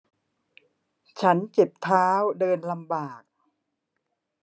ฉันเจ็บเท้าเดินลำบาก